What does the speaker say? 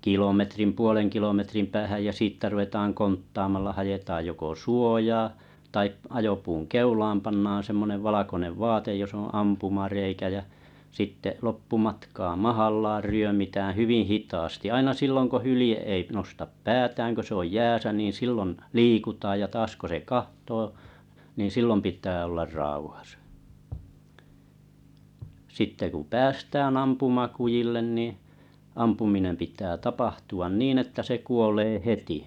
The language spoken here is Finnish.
kilometrin puolen kilometrin päähän ja siitä ruvetaan konttaamalla haetaan joko suojaa tai ajopuun keulaan pannaan semmoinen valkoinen vaate jossa on ampumareikä ja sitten loppumatkaa mahallaan ryömitään hyvin hitaasti aina silloin kun hylje ei nosta päätään kun se on jäässä niin silloin liikutaan ja taas kun se katsoo niin silloin pitää olla sitten kun sitten kun päästään ampumakudille niin ampuminen pitää tapahtua niin että se kuolee heti